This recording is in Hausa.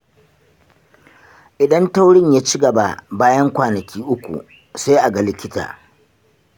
idan taurin ya ci gaba bayan kwanaki uku, sai a ga likita.